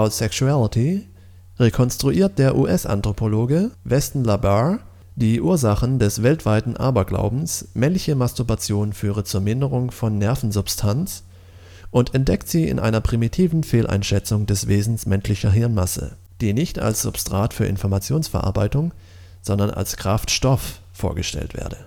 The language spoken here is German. Sexuality rekonstruiert der US-Anthropologe Weston La Barre die Ursachen des weltweiten Aberglaubens, männliche Masturbation führe zur Minderung von Nervensubstanz, und entdeckt sie in einer primitiven Fehleinschätzung des Wesens menschlicher Hirnmasse, die nicht als Substrat für Informationsverarbeitung, sondern Kraftstoff vorgestellt werde